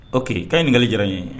O que k' ye nin diyara n ye ye